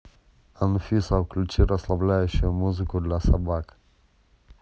анфиса включи расслабляющую музыку для собак